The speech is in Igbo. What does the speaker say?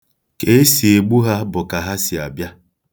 Ka e si egbu ha bụ ka ha si abịa.